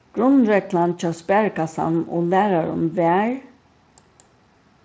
grundreglan hjá sparikassanum og lærarunum var